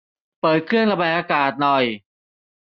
เปิดเครื่องระบายอากาศหน่อย